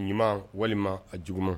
Ɲuman walima a juguman